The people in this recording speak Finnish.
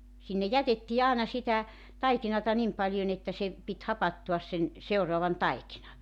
sinne jätettiin aina sitä taikinaa niin paljon että se piti hapantuas sen seuraavan taikinan